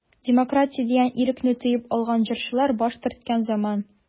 Демократия дигән ирекне тоеп алган җырчылар баш төрткән заман.